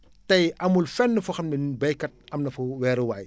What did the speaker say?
tey amul fenn foo xam ne béykat am na fa weeruwaay